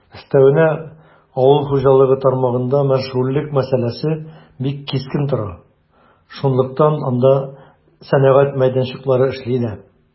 Өстәвенә, авыл хуҗалыгы тармагында мәшгульлек мәсьәләсе бик кискен тора, шунлыктан анда сәнәгать мәйданчыклары эшли дә.